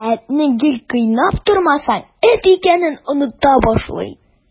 Ә этне гел кыйнап тормасаң, эт икәнен оныта башлый.